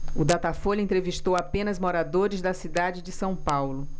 o datafolha entrevistou apenas moradores da cidade de são paulo